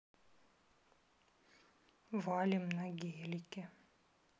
валим на гелике